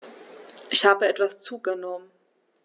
Ich habe etwas zugenommen